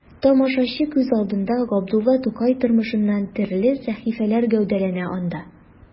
Тамашачы күз алдында Габдулла Тукай тормышыннан төрле сәхифәләр гәүдәләнә анда.